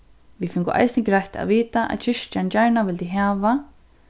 vit fingu eisini greitt at vita at kirkjan gjarna vildi hava